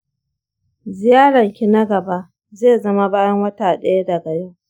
ziyaranki na gaba zai zama bayan wata ɗaya daga yau.